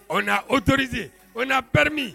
on a autorisé, on a permis.